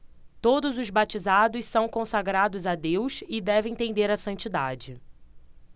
todos os batizados são consagrados a deus e devem tender à santidade